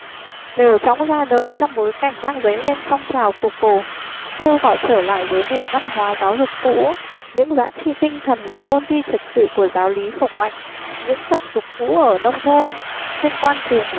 lều chõng ra đời trong bối cảnh đang dấy lên phong trào phục cổ kêu gọi trở lại với nền văn hóa giáo dục cũ những giá trị tinh thần và tôn ti trật tự của giáo lý khổng mạnh những tập tục cũ ở nông thôn trên quan trường